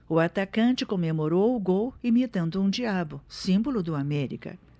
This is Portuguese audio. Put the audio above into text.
o atacante comemorou o gol imitando um diabo símbolo do américa